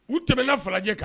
U tɛmna falajɛ kan